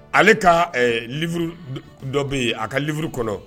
Ale ka uru dɔ bɛ yen a ka luru kɔnɔ